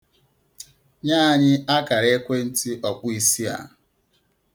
Nye anyị akara ekwentị ọkpụisi a.